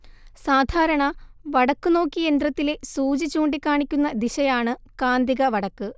സാധാരണ വടക്കുനോക്കിയന്ത്രത്തിലെ സൂചി ചൂണ്ടികാണിക്കുന്ന ദിശയാണ് കാന്തിക വടക്ക്